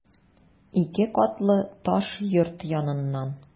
Ике катлы таш йорт яныннан...